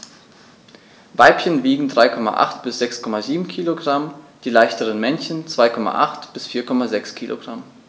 Weibchen wiegen 3,8 bis 6,7 kg, die leichteren Männchen 2,8 bis 4,6 kg.